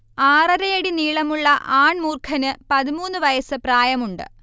ആറരയടി നീളവുമുള്ള ആൺ മൂർഖന് പതിമൂന്ന് വയസ് പ്രായമുണ്ട്